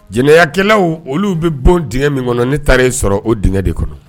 Jɛnɛyakɛlaw olu bɛ bon d min kɔnɔ ni taara sɔrɔ o d de kɔnɔ